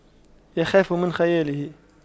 يخاف من خياله